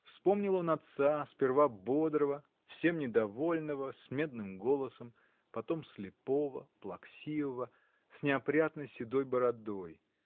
Вспомнил он отца, сперва бодрого, всем недовольного, с медным голосом, потом слепого, плаксивого, с неопрятной седой бородой